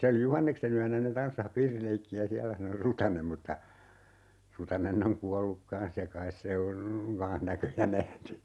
se oli Juhanneksen yönä ne tanssasi piirileikkiä siellä sanoi Rutanen mutta Rutanen on kuollut kanssa ja kai se on kanssa näköjä nähnyt